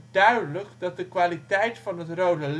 duidelijk dat de kwaliteit van het Rode